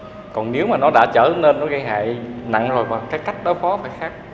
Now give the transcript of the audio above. còn nếu mà nó đã trở nên nó gây hại nặng rồi mà đối phó phải khác